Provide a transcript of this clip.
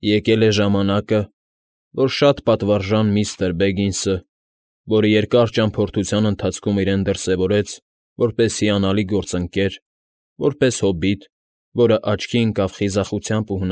Եկել է ժամանակը, որ շատ պատվարժան միստր Բեգինսը, որը երկար ճամփորդության ընթացքում իրեն դրսևորեց որպես հիանալի գործընկեր, որպես հոբիտ, որը աչքի ընկավ խիզախությամբ ու։